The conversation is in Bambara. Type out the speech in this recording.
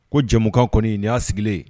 Ko jamumukan kɔni in nin y'a sigilen